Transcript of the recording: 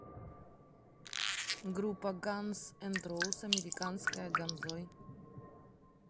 группа guns and rose американская ганзой